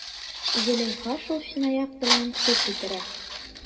Зөләйха шул чынаяк белән су китерә.